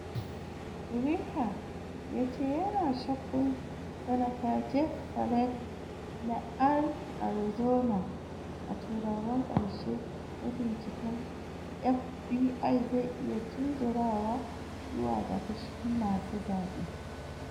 Reeher ya ce yana shakkun Sanata Jeff Flake na (R-Arizona) a turawan karshe na binciken FBI zai iya tunzurawa zuwa ga fushin masu zabe.